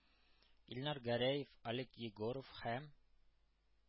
Илнар Гәрәев, Олег Егоров һәм